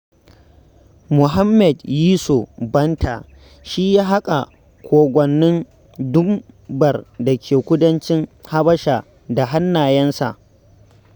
Mohammed Yiso Bantah shi ya haƙa Kogwannin Dunbar da ke kudancin Habasha da hannayensa.